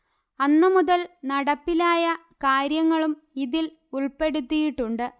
അന്നുമുതൽ നടപ്പിലായ കാര്യങ്ങളും ഇതിൽ ഉൾപ്പെടുത്തിയിട്ടുണ്ട്